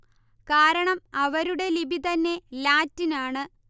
കാരണം അവരുടെ ലിപി തന്നെ ലാറ്റിൻ ആണ്